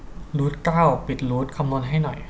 รูทเก้าปิดรูทคำนวณให้หน่อย